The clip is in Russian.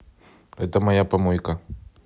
это моя помойка